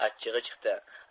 achchig'i chiqdi